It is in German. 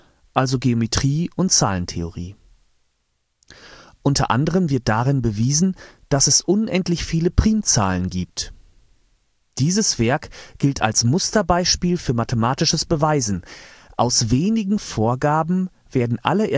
Geometrie und Zahlentheorie) zusammen. Unter anderem wird darin bewiesen, dass es unendlich viele Primzahlen gibt. Dieses Werk gilt als Musterbeispiel für mathematisches Beweisen: aus wenigen Vorgaben werden alle